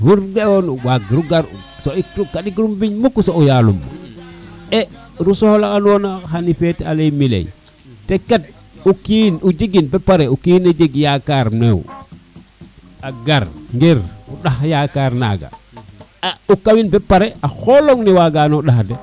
wor wagiro gar soɓit kandik kiro o mbiñ mukk soɓ ma o yalum e mu soxla a nona xana feet a leye mi ley te kat o kiin o jegin bo pare o kina jeg yakaar ne wo a gar ngir a yakaar naga a o kawin bo pare a xoloŋ ne wagano ndax de